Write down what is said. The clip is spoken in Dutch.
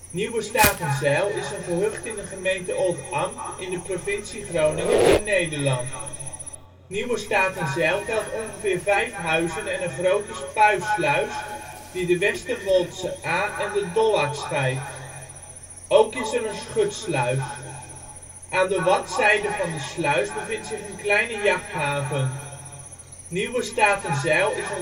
Nieuwe Statenzijl is een gehucht in de gemeente Oldambt in de provincie Groningen (Nederland). Nieuwe Statenzijl telt ongeveer 5 huizen en een grote spuisluis die de Westerwoldse Aa en de Dollard scheidt. Ook is er een schutsluis. Aan de wadzijde van de sluis bevindt zich een kleine jachthaven. Nieuwe Statenzijl is